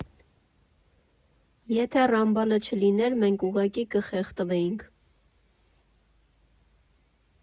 Եթե Ռամբալը չլիներ, մենք ուղղակի կխեղդվեինք։